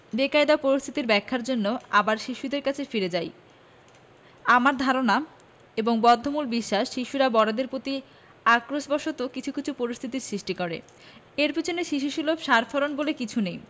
বেকায়দা পরিস্থিতির ব্যাখ্যার জন্যে আবার শিশুদের কাছে ফিরে যাই আমার ধারণা এবং বদ্ধমূল বিশ্বাস শিশুরা বড়দের প্রতি আক্রোশ বসত কিছু কিছু পরিস্থিতির সৃষ্টি করে এর পেছনে শিশুসুলভ সার ফারন বলে কিছু নেই